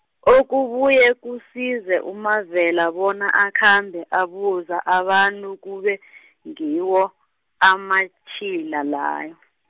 okubuye kusize uMavela bona akhambe abuza abantu kube , ngiwo, amatjhila layo .